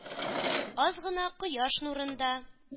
Аз гына кояш нурын да